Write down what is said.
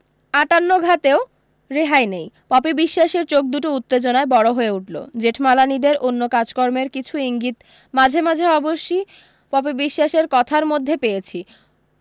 আটান্ন ঘাতেও রেহাই নেই পপি বিশ্বাসের চোখদুটো উত্তেজনায় বড় হয়ে উঠলো জেঠমালানিদের অন্য কাজকর্মের কিছু ইঙ্গিত মাঝে মাঝে অবশ্যি পপি বিশোয়াসের কথার মধ্যে পেয়েছি